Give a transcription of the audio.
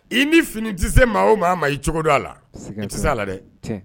I ni fini tɛ se maa o maa ma i cogo don a la tɛ' a la dɛ